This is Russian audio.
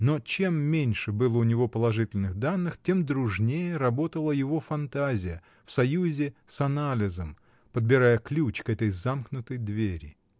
Но чем меньше было у него положительных данных, тем дружнее работала его фантазия, в союзе с анализом, подбирая ключ к этой замкнутой двери.